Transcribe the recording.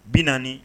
40